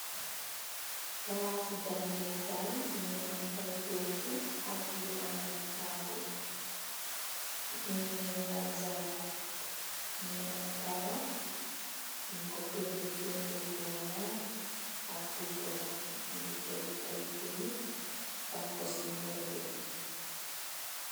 Palasi jangèè kai mugii am ay tóógu ak yu ànda tabull ñing lèèn ranseleh, mugii am karó ñing ko pentir pentir bu wèèx ak bu bula. Jél ay kayit def ko ci miir bi.